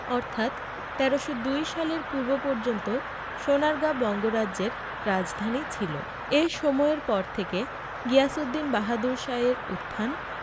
অর্থাৎ ১৩০২ সালের পূর্ব পর্যন্ত সোনারগাঁ বঙ্গরাজ্যের রাজধানী ছিল এ সময়ের পর থেকে গিয়াসুদ্দীন বাহাদুর শাহের উত্থান